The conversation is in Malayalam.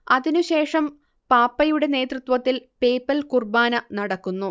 അതിനുശേഷം പാപ്പയുടെ നേതൃത്വത്തിൽ പേപ്പൽ കുർബാന നടക്കുന്നു